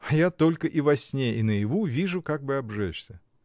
А я только и во сне, и наяву вижу, как бы обжечься.